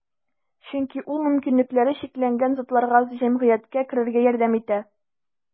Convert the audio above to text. Чөнки ул мөмкинлекләре чикләнгән затларга җәмгыятькә керергә ярдәм итә.